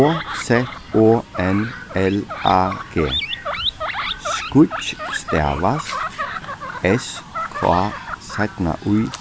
o z o n l a g skýggj stavast s k ý